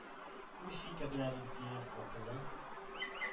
Уй-фикерләрен, тирән акылын,